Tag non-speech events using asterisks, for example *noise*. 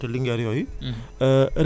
saytu nañ ko *hesitation* côté Linguère yooyu